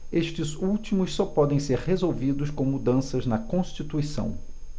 estes últimos só podem ser resolvidos com mudanças na constituição